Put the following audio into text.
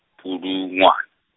Pudungwana.